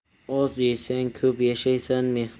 oz yesang ko'p yashaysan